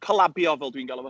Colabio, fel dwi'n galw fo.